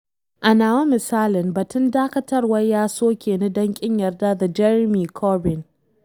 A nawa misalin, batun dakatarwar ya soke ni don ƙin yarda da Jeremy Corbyn.